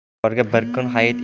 ishi borga bir kun hayit